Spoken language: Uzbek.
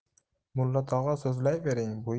mulla tog'a so'zlayvering bu